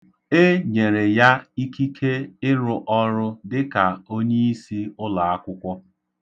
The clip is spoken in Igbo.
E nyere ya ikike ịrụ ọrụ dịka onyiisi ụlaakwụkwọ.